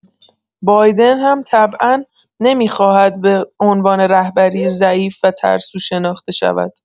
بایدن هم طبعا نمی‌خواهد به عنوان رهبری ضعیف و ترسو شناخته شود.